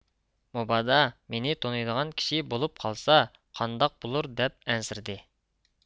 مۇبادا مېنى تونۇيدىغان كىشى بولۇپ قالسا قانداق بولۇر دەپ ئەنسىرىدى